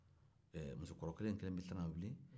ɛɛ musokɔrɔ kelen fana bɛ tila ka wuli